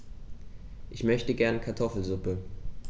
Ich möchte gerne Kartoffelsuppe.